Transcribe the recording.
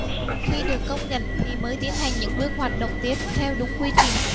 khi được công nhận thì mới tiến hành những bước hoạt động tiếp theo đúng quy trình